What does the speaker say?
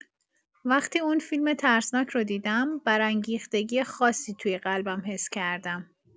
وقتی اون فیلم ترسناک رو دیدم، برانگیختگی خاصی توی قلبم حس کردم.